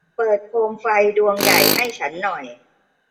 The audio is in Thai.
เปิดโคมไฟดวงใหญ่ให้ฉันหน่อย